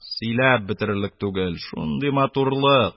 Сөйләп бетерерлек түгел, шундый матурлык,